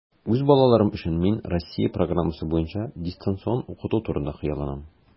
Үз балаларым өчен мин Россия программасы буенча дистанцион укыту турында хыялланам.